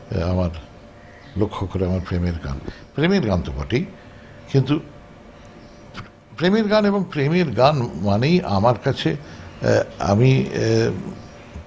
আমার লক্ষ্য করে আমার প্রেমের গান প্রেমের গান তো বটেই কিন্তু প্রেমের গান এবং প্রেমের গান মানে ই আমার কাছে আমি